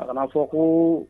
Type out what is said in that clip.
A kana fɔ ko